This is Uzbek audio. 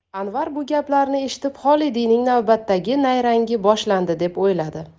anvar bu gaplarni eshitib xolidiyning navbatdagi nayrangi boshlandi deb o'yladi